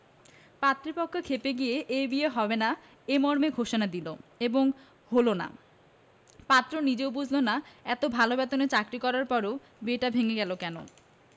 পাত্রীপক্ষ খেপে গিয়ে এ বিয়ে হবে না মর্মে ঘোষণা দিল এবং হলোও না পাত্র নিজেও বুঝল না এত ভালো বেতনে চাকরি করার পরও বিয়েটা ভেঙে গেল কেন